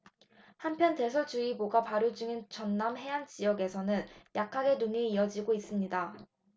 한편 대설주의보가 발효 중인 전남 해안 지역에서는 약하게 눈이 이어지고 있습니다